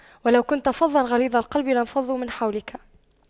وَلَو كُنتَ فَظًّا غَلِيظَ القَلبِ لاَنفَضُّواْ مِن حَولِكَ